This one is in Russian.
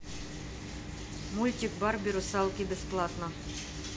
мультик барби русалки бесплатно